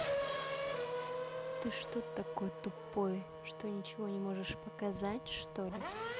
ты что такой тупой что ничего не можешь показать что ли